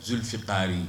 Zul sikaari